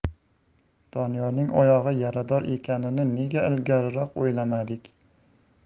doniyorning oyog'i yarador ekanini nega ilgariroq o'ylamadik